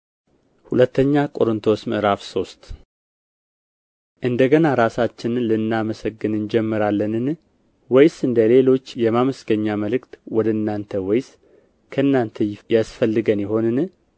ሁለተኛ ቆሮንቶስ ምዕራፍ ሶስት እንደ ገና ራሳችንን ልናመሰግን እንጀምራለንን ወይስ እንደ ሌሎች የማመስገኛ መልእክት ወደ እናንተ ወይስ ከእናንተ ያስፈልገን ይሆንን